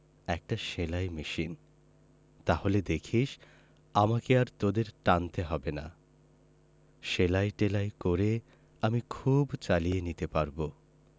একটা সেলাই মেশিন তাহলে দেখিস আমাকে আর তোদের টানতে হবে না সেলাই টেলাই করে আমি খুব চালিয়ে নিতে পারব